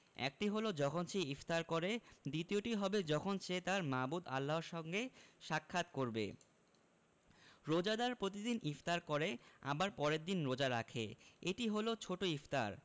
একটি হলো যখন সে ইফতার করে দ্বিতীয়টি হবে যখন সে তাঁর মাবুদ আল্লাহর সঙ্গে সাক্ষাৎ করবে রোজাদার প্রতিদিন ইফতার করে আবার পরের দিন রোজা রাখে এটি হলো ছোট ইফতার